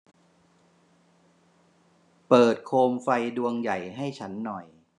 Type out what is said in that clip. เปิดโคมไฟดวงใหญ่ให้ฉันหน่อย